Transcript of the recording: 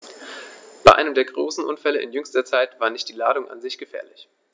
Bei einem der großen Unfälle in jüngster Zeit war nicht die Ladung an sich gefährlich.